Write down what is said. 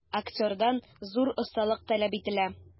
Актердан зур осталык таләп ителә.